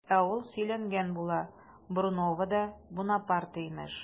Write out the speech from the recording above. Ә ул сөйләнгән була, Бруновода Бунапарте имеш!